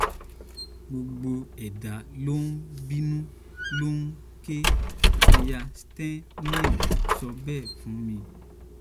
”Gbogbo ẹ̀dá ló ń binú, ló ń ké,” Aya Steinem sọ bẹ́ẹ̀ fún mi.